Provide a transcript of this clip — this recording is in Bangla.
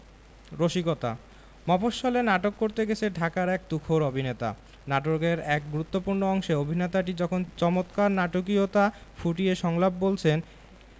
রসিকতা মফশ্বলে নাটক করতে গেছে ঢাকার এক তুখোর অভিনেতা নাটকের এক গুরুত্তপূ্র্ণ অংশে অভিনেতাটি যখন চমৎকার নাটকীয়তা ফুটিয়ে সংলাপ বলছেন